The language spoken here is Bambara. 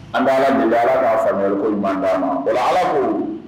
An bɛ Ala deli, Ala b'a faamuyali ko ɲuman d'a ma. O la Ala ko